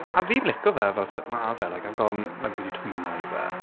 A fi'n licio fe fel sut mae fe, like I've gone, like fi 'di twymo i fe.